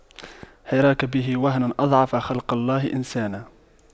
حراك به وهن أضعف خلق الله إنسانا